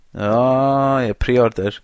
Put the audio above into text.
O ie preorder.